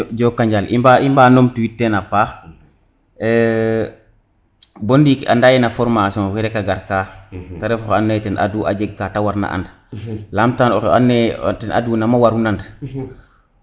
njokonjal i mba numtu wiid tena paax bo ndiik anda ye no foramtion fe rek a garka te ref oxe ando naye ten adwu a wef kate farna and lamtam oxe ando naye ten ad wu nama war na nan